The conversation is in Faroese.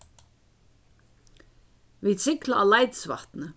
vit sigla á leitisvatni